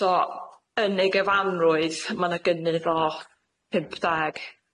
So yn ei gyfanrwydd ma' 'na gynnydd o pump deg